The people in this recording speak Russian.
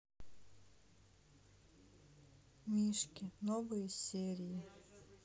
мишки новые серии